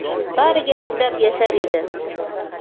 bariga chidab yashar edi